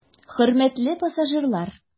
Хөрмәтле пассажирлар!